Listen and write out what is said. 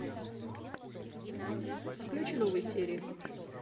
включи новые серии